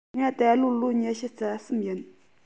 ང ད ལོ ལོ ཉི ཤུ རྩ གསུམ ཡིན